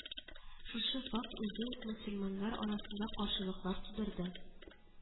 Шушы факт үзе үк мөселманнар арасында каршылыклар тудырды